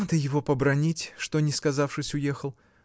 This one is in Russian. Надо его побранить, что, не сказавшись, уехал.